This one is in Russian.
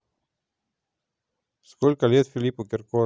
сколько лет филиппу киркорову